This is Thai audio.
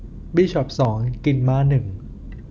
บิชอปสองกินม้าหนึ่ง